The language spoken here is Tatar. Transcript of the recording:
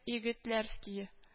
Егетләрские